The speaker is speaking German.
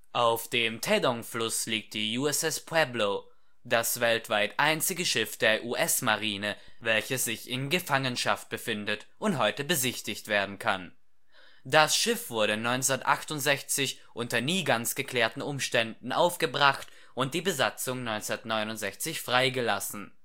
Auf dem Taedong-Fluss liegt die USS Pueblo (AGER-2), das weltweit einzige Schiff der US-Marine, welches sich in Gefangenschaft befindet und heute besichtigt werden kann. Das Schiff wurde 1968 unter nie ganz geklärten Umständen aufgebracht und die Besatzung 1969 freigelassen